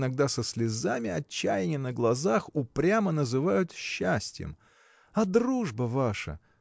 иногда со слезами отчаяния на глазах упрямо называют счастьем! А дружба ваша.